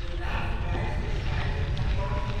naam verwijst waarschijnlijk naar koning